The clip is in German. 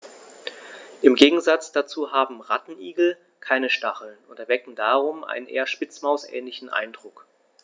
Im Gegensatz dazu haben Rattenigel keine Stacheln und erwecken darum einen eher Spitzmaus-ähnlichen Eindruck.